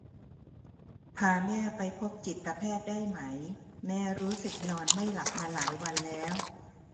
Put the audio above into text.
พาแม่ไปพบจิตแพทย์ได้ไหมแม่รู้สึกนอนไม่หลับมาหลายวันแล้ว